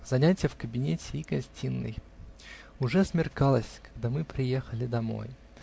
ЗАНЯТИЯ В КАБИНЕТЕ И ГОСТИНОЙ. Уже смеркалось, когда мы приехали домой.